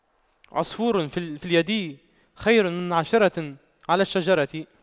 عصفور في اليد خير من عشرة على الشجرة